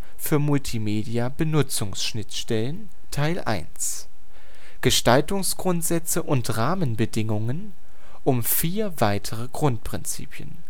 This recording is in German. für Multimedia-Benutzungsschnittstellen Teil 1: Gestaltungsgrundsätze und Rahmenbedingungen um vier weitere Grundprinzipien